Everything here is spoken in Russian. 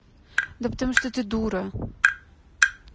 да потому что ты дура